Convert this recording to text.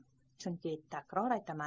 chunki takror aytaman